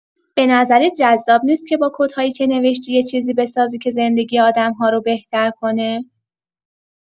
به نظرت جذاب نیست که با کدهایی که نوشتی، یه چیزی بسازی که زندگی آدم‌ها رو بهتر کنه؟